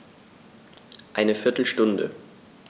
Eine viertel Stunde